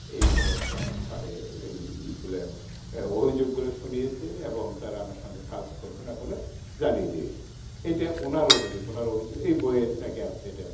এইভাবে একটা মানে এই ইগুলা অভিযোগগুলো শুনিয়েছে এবং তারা আমার সঙ্গে কাজ করবে না বলে জানিয়ে দিয়েছে এইটা ওনার অভিযোগ উনার অভিযোগে এই বইয়ে নাকি আছে এটা